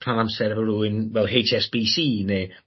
rhan amser efo rywun fel Haitch Ess Bee See ne'